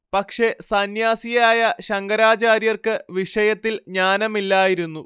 പക്ഷേ സന്ന്യാസിയായ ശങ്കരാചാര്യർക്ക് വിഷയത്തിൽ ജ്ഞാനമില്ലായിരുന്നു